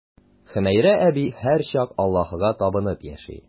Хөмәйрә әби һәрчак Аллаһыга табынып яши.